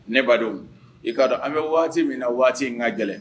Ne ba dɔn i kaa an bɛ waati min na waati in ka gɛlɛn